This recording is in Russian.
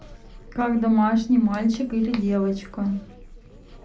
как домашний мальчик или девочка